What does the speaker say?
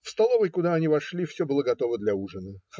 В столовой, куда они вошли, все было готово для ужина.